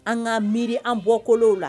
An k ka miiri an bɔkolo la